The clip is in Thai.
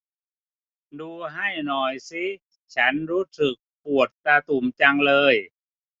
ดูให้หน่อยซิฉันรู้สึกปวดตาตุ่มจังเลย